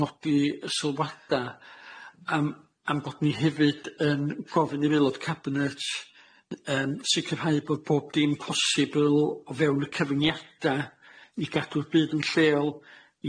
nodi sylwada, am am bod ni hefyd yn gofyn i'r aelod cabinet yy yym sicirhau bod bob dim posibl o fewn y cyfuniada i gadw'r byd yn lleol,